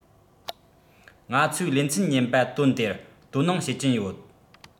ང ཚོས ལེ ཚན ཉེན པ དོན དེར དོ སྣང བྱེད ཀྱིན ཡོད